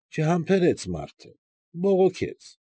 Չհամբերեց մարդը, բողոքեց։